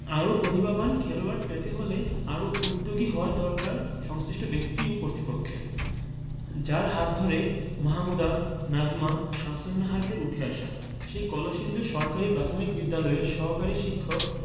আরও প্রতিভাবান খেলোয়াড় পেতে হলে আরও উদ্যোগী হওয়া দরকার সংশ্লিষ্ট ব্যক্তি বা কর্তৃপক্ষের যাঁর হাত ধরে মাহমুদা নাজমা শামসুন্নাহারদের উঠে আসা সেই কলসিন্দুর সরকারি প্রাথমিক বিদ্যালয়ের সহকারী শিক্ষক